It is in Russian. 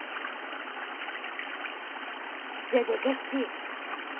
дядя гаси